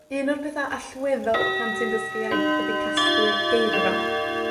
Un o'r petha allweddol pan ti'n dysgu iaith ydi casglu geirfa.